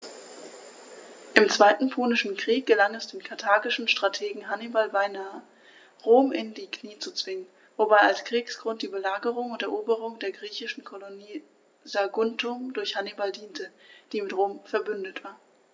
Im Zweiten Punischen Krieg gelang es dem karthagischen Strategen Hannibal beinahe, Rom in die Knie zu zwingen, wobei als Kriegsgrund die Belagerung und Eroberung der griechischen Kolonie Saguntum durch Hannibal diente, die mit Rom „verbündet“ war.